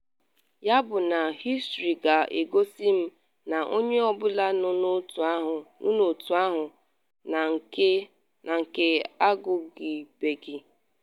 Yabụ na hịstrị ga-egosi m na onye ọ bụla n’otu ahụ na nke a agwụbeghị.